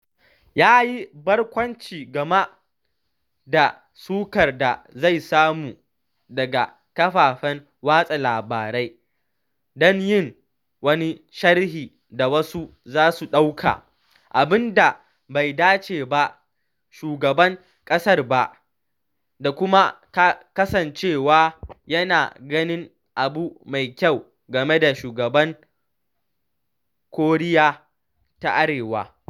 Ya yi barkwanci game da sukar da zai samu daga kafafen watsa labarai don yin wani sharhi da wasu za su ɗauka “abin da bai dace da shugaban ƙasa ba” da kuma kasancewa yana ganin abu mai kyau game da shugaban Koriya ta Arewa.